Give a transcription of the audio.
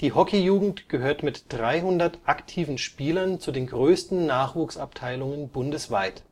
Hockeyjugend gehört mit knapp 300 aktiven Spielern zu den größten Nachwuchsabteilungen bundesweit